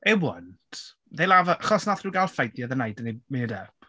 It won't. They'll have a... Achos wnaethon nhw gael fight the other night and they made up.